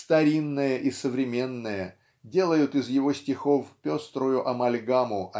старинное и современное делают из его стихов пеструю амальгаму